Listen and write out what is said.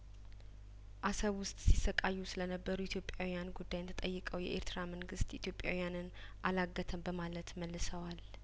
አሰብ ውስጥ ሲሰቃዩ ስለነበሩ ኢትዮጵያውያን ጉዳይተ ጠይቀው የኤርትራ መንግስት ኢትዮጵያውያንን አላገ ተም በማለት መልሰዋል